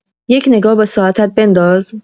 یه نگاه به ساعتت بنداز